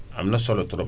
am na solo trop